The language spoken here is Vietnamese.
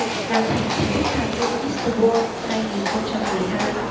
nam thành chính thức tham dự mr world hai nghìn không trăm mười hai